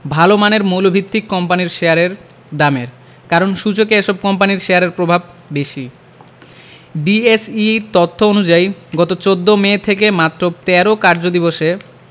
ভালো মানের মৌলভিত্তির কোম্পানির শেয়ারের দামের কারণ সূচকে এসব কোম্পানির শেয়ারের প্রভাব বেশি ডিএসইর তথ্য অনুযায়ী গত ১৪ মে থেকে মাত্র ১৩ কার্যদিবসে